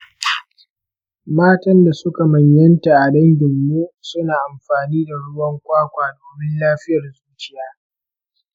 matan da suka manyanta a danginmu suna amfani da ruwan kwakwa domin lafiyar zuciya.